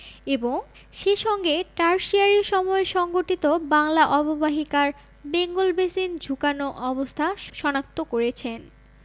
এবং সেসঙ্গে টারসিয়ারি সময়ে সংঘটিত বাংলার অববাহিকার বেঙ্গল বেসিন ঝুকানো অবস্থা শনাক্ত করেছেন